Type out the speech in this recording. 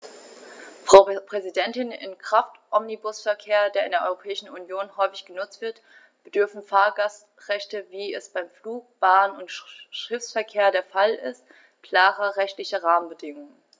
Frau Präsidentin, im Kraftomnibusverkehr, der in der Europäischen Union häufig genutzt wird, bedürfen Fahrgastrechte, wie es beim Flug-, Bahn- und Schiffsverkehr der Fall ist, klarer rechtlicher Rahmenbedingungen.